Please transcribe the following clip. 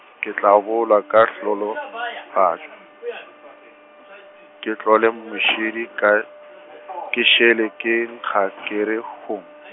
ke tla boolwa ka hlologatšwa, ke tlole mošidi ka, ke šele ke nkga ke re hong .